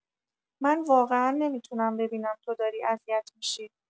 من واقعا نمی‌تونم ببینم توداری اذیت می‌شی.